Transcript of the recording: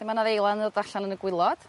lle ma' 'na ddeilan yn dod allan yn y gwilod